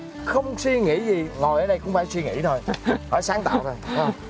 không suy nghĩ gì thì ngòi ở đây cũng phải suy nghĩ thoi phải sáng tạo thoi